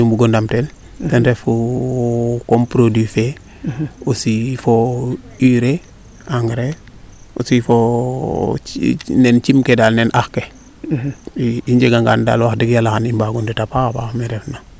mbungo ndam teen ten refuu comme produit fee aussi fo urée "engrais aussi fo nen cim ke daal nen ax ke i njega ngaan daal wax deg yala xa i mbago ndeta paax me i ndef na